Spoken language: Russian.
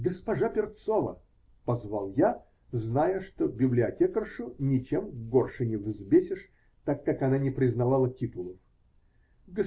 -- Госпожа Перцова, -- позвал я, зная, что библиотекаршу ничем горше не взбесишь, так как она не признавала "титулов".